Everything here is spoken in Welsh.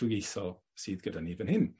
sydd gyda ni fan hyn.